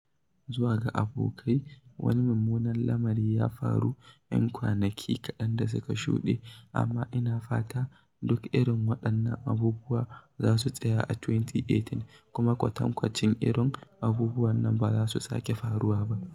Zuwa ga abokai, wani mummunar lamari ya faru 'yan kwanaki kaɗan da suka shuɗe, amma ina fata duk irin waɗannan abubuwa za su tsaya a 2018 kuma kwatankwacin irin abubuwan ba za su sake faruwa ba.